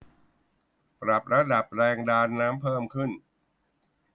ปรับระดับแรงดันน้ำเพิ่มขึ้น